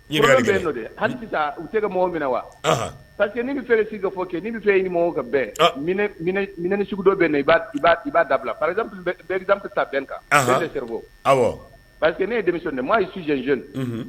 Bɛ hali u se ka mɔgɔw minɛ wa pariseke ne bɛ fɛ si ka fɔ kɛ ni bɛ filɛ ye ɲumanmɔgɔ kan bɛn minɛn ni sugu dɔ bɛ i b'a dabila pa taa bɛn kan tɛ sebɔ pari que ne ye demi nin mɔgɔ ye su janɛncni